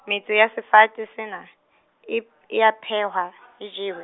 metso ya sefate sena, e p-, e a phehwa, e jewe.